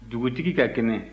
dugutigi ka kɛnɛ